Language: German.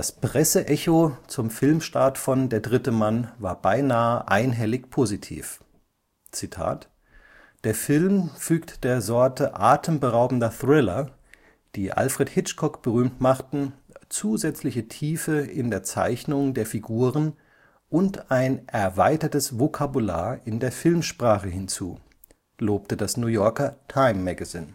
Presseecho zum Filmstart von Der dritte Mann war beinahe einhellig positiv: „ [Der Film] fügt der Sorte atemberaubender Thriller, die Alfred Hitchcock berühmt machten, zusätzliche Tiefe in der Zeichnung der Figuren und ein erweitertes Vokabular in der Filmsprache hinzu “, lobte das New Yorker Time Magazine